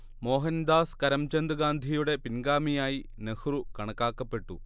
മോഹൻദാസ് കരംചന്ദ് ഗാന്ധിയുടെ പിൻഗാമിയായി നെഹ്രു കണക്കാക്കപ്പെട്ടു